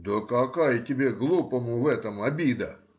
— Да какая тебе, глупому, в этом обида?